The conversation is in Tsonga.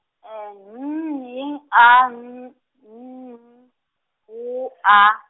N Y A N, N, W A.